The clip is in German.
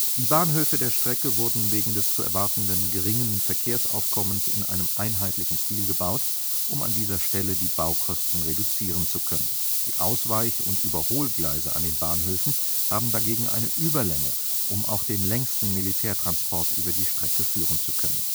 Die Bahnhöfe der Strecke wurden wegen des zu erwartenden geringen Verkehrsaufkommens in einem einheitlichen Stil gebaut, um an dieser Stelle die Baukosten reduzieren zu können. Die Ausweich - und Überholgleise an den Bahnhöfen haben dagegen eine Überlänge, um auch den längsten Militärtransport über die Strecke führen zu können